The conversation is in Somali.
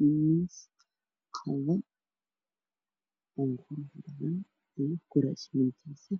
Miis Lugo iyo kuras wayntiisa